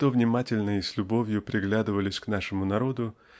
кто внимательно и с любовью приглядывались к нашему народу